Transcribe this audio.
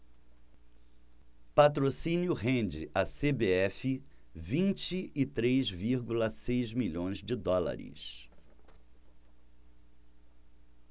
patrocínio rende à cbf vinte e três vírgula seis milhões de dólares